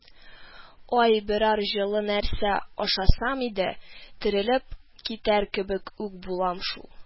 АЙ берәр җылы нәрсә ашасам иде, терелеп китәр кебек үк булам шул